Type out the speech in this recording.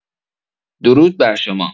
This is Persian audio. درود برشما